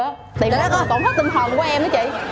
tiền tổn thất tinh thần của em đó chị